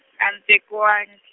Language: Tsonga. a ntekiwan- .